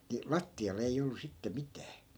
niin lattialla ei ollut sitten mitään